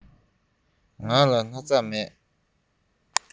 ང ལ སྣག ཚ མེད